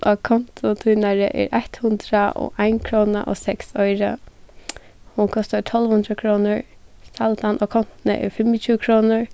á konto tínari er eitt hundrað og ein króna og seks oyru hon kostar tólv hundrað krónur saldan á kontuni er fimmogtjúgu krónur